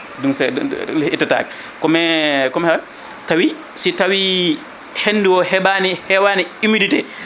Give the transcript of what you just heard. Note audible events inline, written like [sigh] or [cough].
ɗum [hesitation] ittetake kome kome tan tawi si tawi hendu o heeɓani hewani humidité